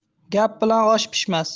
gap bilan osh pishmas